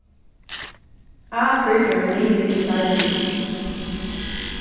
ábyrgd er ein liður í starvinum